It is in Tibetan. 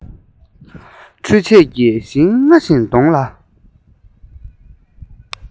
འཕྲུལ ཆས ཀྱིས ཞིང རྔ བཞིན གདོང ལ